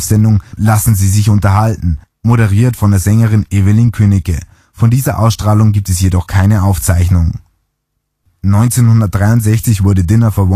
Live-Sendung Lassen Sie sich unterhalten, moderiert von der Sängerin Evelyn Künneke. Von dieser Ausstrahlung gibt es jedoch keine Aufzeichnung. 1963 wurde Dinner for